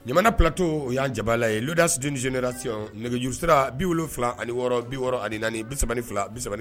Ɲamana plateau o yan jaba la ye . l'audace d'une génération nɛgɛjuru sira 76 64 32 32